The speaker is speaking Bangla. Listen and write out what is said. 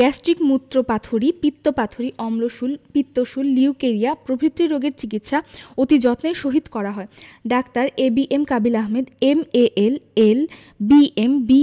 গ্যাস্ট্রিক মুত্রপাথড়ী পিত্তপাথড়ী অম্লশূল পিত্তশূল লিউকেরিয়া প্রভৃতি রোগের চিকিৎসা অতি যত্নের সহিত করা হয় ডাঃ A B M Kabil Ahmed M A L L B M B